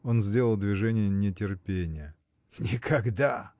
Он сделал движение нетерпения. — Никогда!